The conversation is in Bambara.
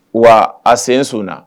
Wa a sen so na